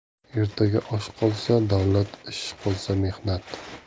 ertaga osh qolsa davlat ish qolsa mehnat